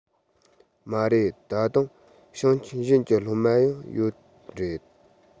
མ རེད ད དུང ཞིང ཆེན གཞན གྱི སློབ མ ཡང ཡོད རེད